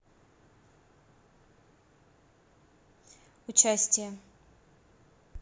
участие